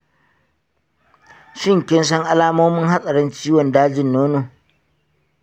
shin kinsan alamomin hatsarin ciwon dajin nono?